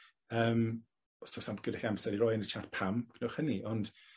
yym os o's am- gyda chi amser i roi yn y chat pam, newch hynny, ond